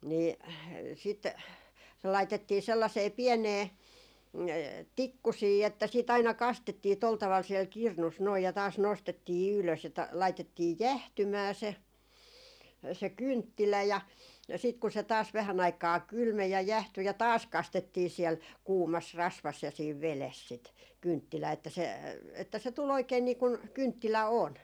niin sitten se laitettiin sellaiseen pieneen tikkusiin että sitten aina kastettiin tuolla tavalla siellä kirnussa noin ja taas nostettiin ylös ja laitettiin jäähtymään se se kynttilä ja sitten kun se taas vähän aikaa kylmeni ja jäähtyi ja taas kastettiin siellä kuumassa rasvassa ja siinä vedessä sitä kynttilää että se että se tuli oikein niin kuin kynttilä on